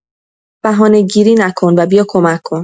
بهانه‌گیری نکن و بیا کمک کن.